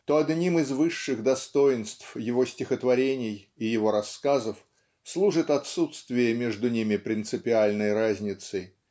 то одним из высших достоинств его стихотворений и его рассказов служит отсутствие между ними принципиальной разницы.